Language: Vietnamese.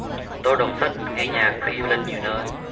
tôi đọc sách nghe nhạc đi du lịch nhiều nơi